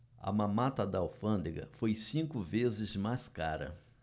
a mamata da alfândega foi cinco vezes mais cara